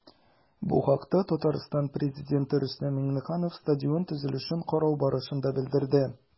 Бу хакта ТР Пррезиденты Рөстәм Миңнеханов стадион төзелешен карау барышында белдерде.